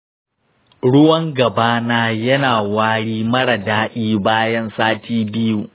ruwan gaba na yana wari mara daɗi bayan sati biyu